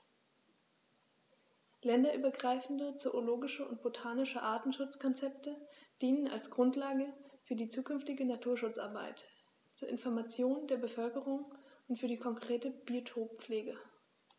Länderübergreifende zoologische und botanische Artenschutzkonzepte dienen als Grundlage für die zukünftige Naturschutzarbeit, zur Information der Bevölkerung und für die konkrete Biotoppflege.